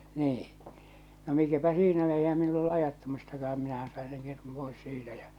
niin no mikäpä siinä eihän meillä ollut ajattamistakaan minähän sain sen ketun pois siitä ja